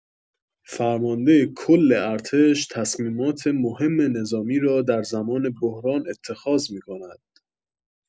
فرمانده کل ارتش تصمیمات مهم نظامی را در زمان بحران اتخاذ می‌کند.